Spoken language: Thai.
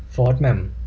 โฟธแหม่ม